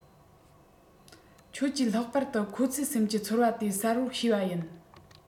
ཁྱོད ཀྱིས ལྷག པ དུ ཁོང ཚོས སེམས ཀྱི ཚོར བ དེ གསལ པོར ཤེས པ ཡིན